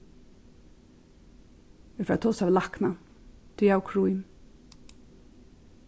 eg fari at tosa við læknan tí eg havi krím